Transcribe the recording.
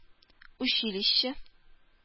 Училище